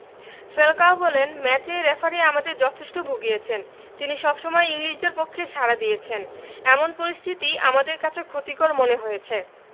Falcao বলেন ম্যাচে referee আমাদের যথেষ্ট ভুগিয়েছেন তিনি সবসময় ইংলিশদের পক্ষে সাড়া দিয়েছেন এমন পরিস্থিতি আমাদের কাছে ক্ষতিকর মনে হয়েছে